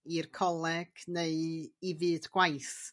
i'r coleg neu i fyd gwaith.